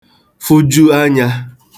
fụju anyā